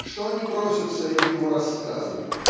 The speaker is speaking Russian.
что оси просятся и в его рассказы